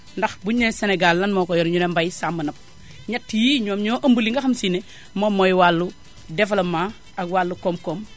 ndax buñu nee Sénégal lan moo ko yor ñu ne mbay sàmm napp ñett yii ñoom ñoo ëmb li nga xam se ne moom mooy wàllu développement ak wàllu kom-kom